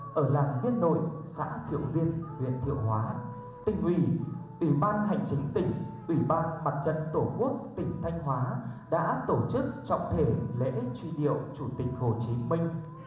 ở làng yên nội xã thiệu viên huyện thiệu hóa tỉnh ủy ủy ban hành chính tỉnh ủy ban mặt trận tổ quốc tỉnh thanh hóa đã tổ chức trọng thể lễ truy điệu chủ tịch hồ chí minh